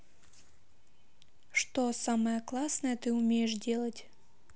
что самое классное ты умеешь делать